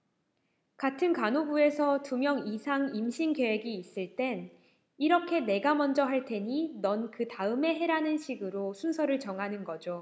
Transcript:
같은 간호부에서 두 명 이상 임신 계획이 있을 땐 이렇게 내가 먼저 할 테니 넌 그다음에 해라는 식으로 순서를 정하는 거죠